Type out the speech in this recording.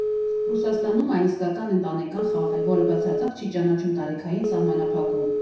Ռուսաստանում այն իսկական ընտանեկան խաղ է, որը բացարձակ չի ճանաչում տարիքային սահմանափակում։